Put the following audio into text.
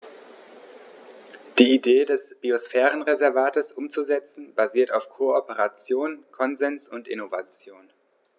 Die Idee des Biosphärenreservates umzusetzen, basiert auf Kooperation, Konsens und Innovation.